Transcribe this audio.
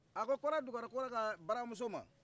a ko kɔrɛdugakɔrɛ ka baramuso ma